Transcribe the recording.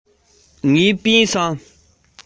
ཆུང ཆུང ཞིག གིས ཁམ བུ